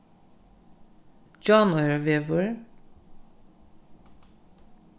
gjánoyrarvegur